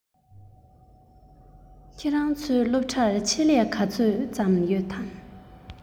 ཁྱོད རང ཚོའི སློབ གྲྭར ཆེད ལས ག ཚོད ཙམ ཡོད ན